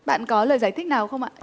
bạn có lời giải thích nào không ạ